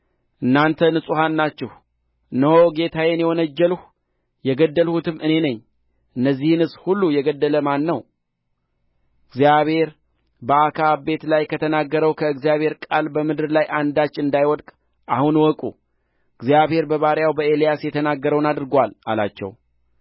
እናንተ ንጹሐን ናችሁ እነሆ ጌታዬን የወነጀልሁ የገደልሁትም እኔ ነኝ እነዚህንስ ሁሉ የገደለ ማን ነው እግዚአብሔር በአክዓብ ቤት ላይ ከተናገረው ከእግዚአብሔር ቃል በምድር ላይ አንዳች እንዳይወድቅ አሁን እወቁ እግዚአብሔር በባሪያው በኤልያስ የተናገረውን አድርጎአል አላቸው